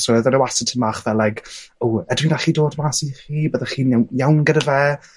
so odd yna wastad tymed fel like o ydw i'n gallu dod mas i chi byddech chi'n iaw- iawn gyda fe?